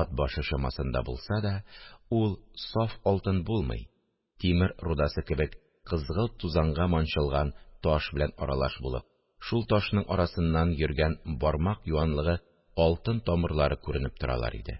ат башы чамасында булса да, ул саф алтын булмый, тимер рудасы кебек кызгылт тузанга манчылган таш белән аралаш булып, шул ташның арасыннан йөргән бармак юанлыгы алтын тамырлары күренеп торалар иде